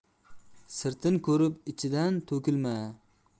sirtin ko'rib ichidan to'ngilma